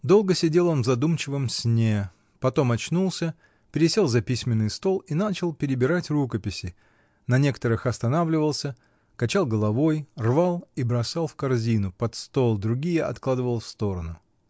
Долго сидел он в задумчивом сне, потом очнулся, пересел за письменный стол и начал перебирать рукописи, — на некоторых останавливался, качал головой, рвал и бросал в корзину, под стол, другие откладывал в сторону.